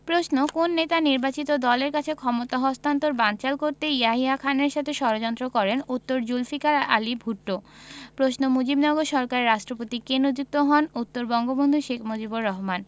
প্রশ্ন কোন নেতা নির্বাচিত দলের কাছে ক্ষমতা হস্তান্তর বানচাল করতে ইয়াহিয়া খানের সাথে ষড়যন্ত্র করেন উত্তরঃ জুলফিকার আলী ভুট্ট প্রশ্ন মুজিবনগর সরকারের রাষ্ট্রপতি কে নিযুক্ত হন উত্তর বঙ্গবন্ধু শেখ মুজিবুর রহমান